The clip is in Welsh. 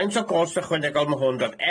Faint o gost ychwanegol ma' hwn dod?